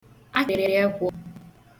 akịrị ekwọ̄